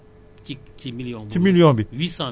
bu pêche bu ñu constater que yàqu-yàqu am na